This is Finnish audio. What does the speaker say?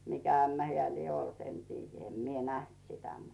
mikä ämmä hän lie ollut en tiedä en minä nähnyt sitä mutta